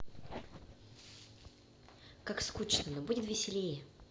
как скучно но будет веселей